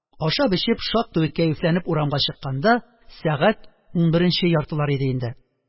Ашап-эчеп, шактый ук кәефләнеп урамга чыкканда, сәгать унберенче яртылар иде инде.